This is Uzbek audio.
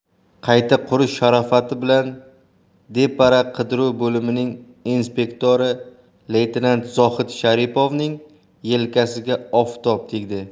qayta qurish sharofati bilan depara qidiruv bo'limining inspektori leytenant zohid sharipovning yelkasiga oftob tegdi